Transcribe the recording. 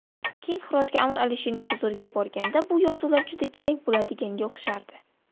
keyin hirotga amir alisherning huzuriga borganda bu yozuvlari juda kerak bo'ladiganga o'xshardi